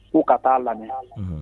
Ko ka taa lam la